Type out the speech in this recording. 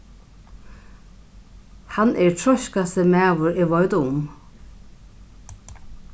hann er treiskasti maður eg veit um